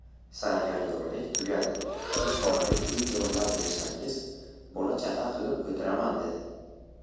sargardonlik tugadi uch xonali uy to'g'irlab bersangiz bola chaqa qilib o'tiraman dedi